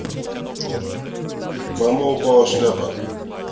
мама упала шляпа